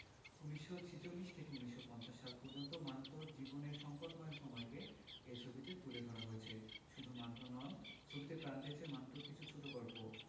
১৯৪৬ থেকে ১৯৫০ সাল পর্যন্ত মান্টোর জীবনের সংকটময় সময়কে এ ছবিতে তুলে ধরা হয়েছে শুধু মান্টো নন ছবিতে প্রাণ পেয়েছে মান্টোর কিছু ছোটগল্পও